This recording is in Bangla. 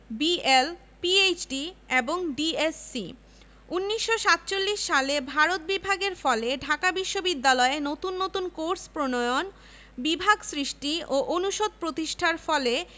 শুধুই মুসলিম শিক্ষা প্রতিষ্ঠানে পরিণত হয় নি বরং দেশ বিভাগের আগে এখানে ৮০% ছাত্র শিক্ষকই ছিলেন হিন্দু